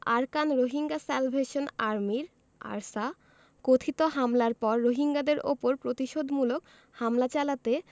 Arakan Rohingya salvation আর্মির ARSA কথিত হামলার পর রোহিঙ্গাদের ওপর প্রতিশোধমূলক হামলা চালাতে